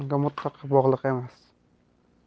unga mutlaqo bog'liq emas